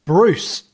Bruce.